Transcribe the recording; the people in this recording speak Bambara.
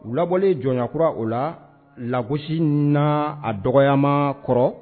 U labɔlen jɔnɲakura o la lagosi na a dɔgɔma kɔrɔ